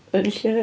Yn lle?